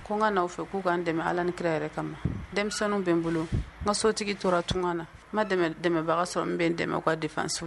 Ko n ka n'a fɛ k'u k ka dɛmɛ ala ni kira yɛrɛ kama denmisɛnninw bɛ n bolo n ka sotigi tora tun na n dɛmɛbaga ka sɔrɔ n bɛn dɛmɛ ka de segu